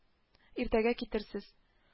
Иртәгә китәрсез